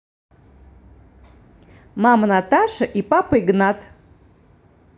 мама наташа и папа игнат